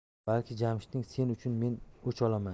balki jamshidning sen uchun men o'ch olaman